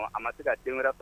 A ma se ka den wɛrɛ